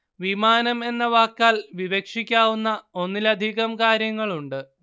വിമാനം എന്ന വാക്കാൽ വിവക്ഷിക്കാവുന്ന ഒന്നിലധികം കാര്യങ്ങളുണ്ട്